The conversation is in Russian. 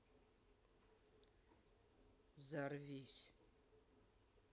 взорвись